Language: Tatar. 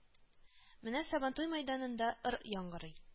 Менә Сабантуй мәйданында ыр яңгырый